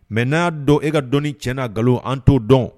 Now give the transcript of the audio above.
Mɛ n'a dɔn e ka dɔnnii cɛ naa nkalon an t' dɔn